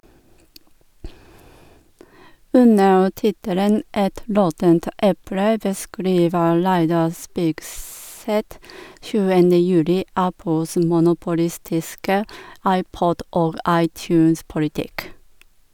Under tittelen «Et råttent eple» beskriver Reidar Spigseth 7. juli Apples monopolistiske iPod- og iTunes-politikk.